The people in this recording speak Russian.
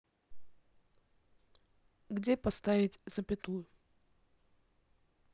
где поставить запятую